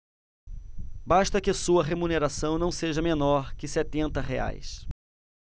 basta que sua remuneração não seja menor que setenta reais